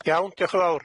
Iawn, dioch yn fowr.